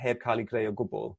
heb ca'l 'u greu o gwbwl.